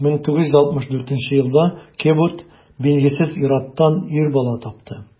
1964 елда кэбот билгесез ир-аттан ир бала тапты.